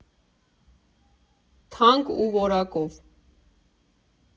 Թանկ ու որակով։